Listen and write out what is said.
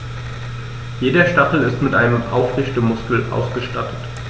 Jeder Stachel ist mit einem Aufrichtemuskel ausgestattet.